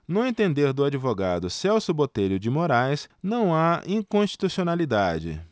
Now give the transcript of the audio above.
no entender do advogado celso botelho de moraes não há inconstitucionalidade